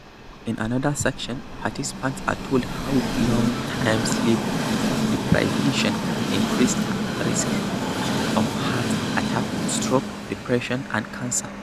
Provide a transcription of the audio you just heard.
In another section, participants are told how long-term sleep deprivation can increase risks of heart attacks, stroke, depression and cancer.